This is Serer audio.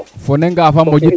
fo ne ngafa moƴit na